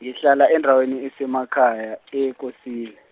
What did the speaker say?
ngihlala endaweni esemakhaya, eKosini.